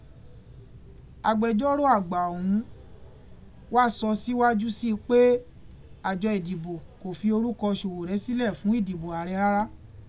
Agbẹjọ́rò àgbà ọ̀hún wá sọ síwájú si pé àjọ ìdìbò kò fi orúkọ Ṣòwòrẹ́ sílẹ̀ fún ìdìbọ̀ ààre rárá.